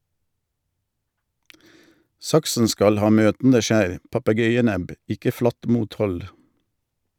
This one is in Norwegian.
Saksen skal ha møtende skjær - papegøye-nebb - ikke flatt mothold.